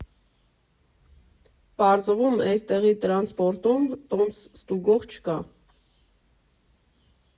Պարզվում էստեղի տրանսպորտում տոմս ստուգող չկա՜։